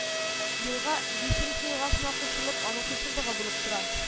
Елга Вишенка елгасына кушылып, аның кушылдыгы булып тора